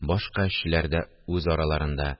Башка эшчеләр дә үз араларында